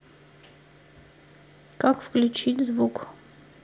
как включить звук